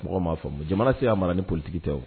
Mɔgɔw m'a faamu jamana tɛ se ka mara ni politique tɛ